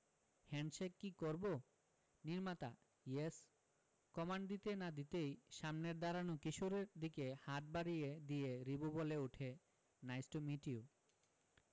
handshake কি করবো নির্মাতা ইয়েস কমান্ড দিতে না দিতেই সামনের দাঁড়ানো কিশোরের দিকে হাত বাড়িয়ে দিয়ে রিবো বলে উঠে নাইস টু মিট ইউ